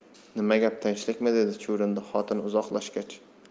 nima gap tinchlikmi dedi chuvrindi xotini uzoqlashgach